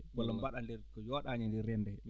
walla mbaɗa ndeer ko yooɗaani e ndeer rendo hee